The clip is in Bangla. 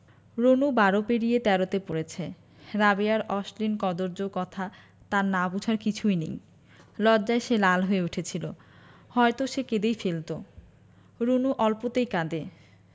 রুনু বারো পেরিয়ে তেরোতে পড়েছে রাবেয়ার অশ্লীল কদৰ্য কথা তার না বুঝার কিছুই নেই লজ্জায় সে লাল হয়ে উঠেছিলো হয়তো সে কেঁদেই ফেলতো রুনু অল্পতেই কাঁদে